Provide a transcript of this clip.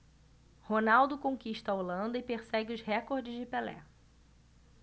ronaldo conquista a holanda e persegue os recordes de pelé